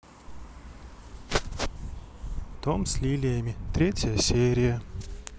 дом с лилиями третья серия